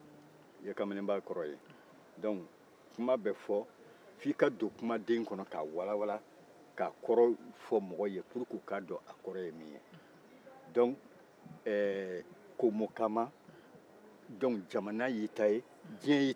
dɔnc kuma bɛ fɔ dɔnc kuma bɛ fɔ f'i ka don kumaden kɔnɔ k'a walanwalan k'a kɔrɔ fɔ mɔgɔw ye puruk'u ka dɔn a kɔrɔ ye mun ye dɔnc ɛɛ komokaama dɔnc jamana y'i ta ye diɲɛ y'i ta o de ye komo ye